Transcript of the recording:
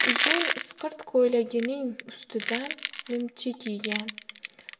uzun isqirt ko'ylagining ustidan nimcha kiygan